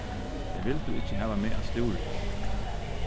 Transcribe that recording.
tey vildu ikki hava meg at stúra